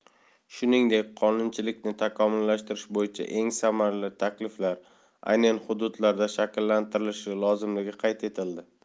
shuningdek qonunchilikni takomillashtirish bo'yicha eng samarali takliflar aynan hududlarda shakllantirilishi lozimligi qayd etildi